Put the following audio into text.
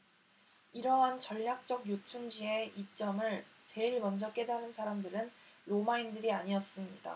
이러한 전략적 요충지의 이점을 제일 먼저 깨달은 사람들은 로마인들이 아니었습니다